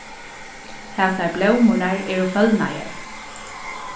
hasar blómurnar eru følnaðar